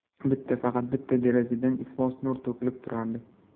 bitta faqat bitta derazadan iflos nur to'kilib turardi